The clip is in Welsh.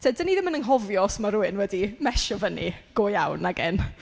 T- dan ni ddim yn anghofio os ma' rhywun wedi mesio fyny, go iawn, nag y'n?